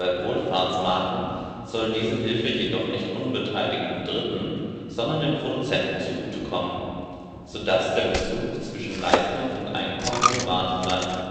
Wohlfahrtsmarken soll diese Hilfe jedoch nicht unbeteiligten Dritten, sondern den Produzenten zugute kommen, sodass der Bezug zwischen Leistung und Einkommen gewahrt bleibt